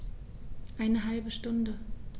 Eine halbe Stunde